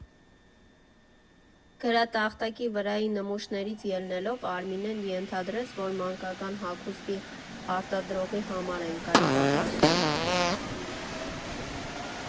Գրատախտակի վրայի նշումներից ելնելով, Արմինեն ենթադրեց, որ մանկական հագուստի արտադրողի համար են կայք պատրաստում։